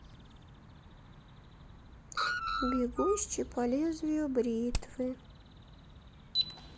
бегущий по лезвию бритвы